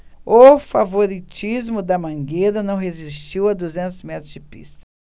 o favoritismo da mangueira não resistiu a duzentos metros de pista